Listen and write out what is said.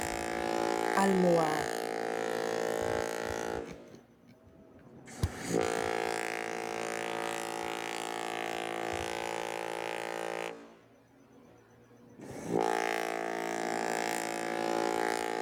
Li almuwar pur dafa aye yereh ak yenen khetoh bagass .